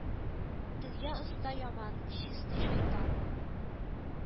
Телгә оста яман, чистый шәйтан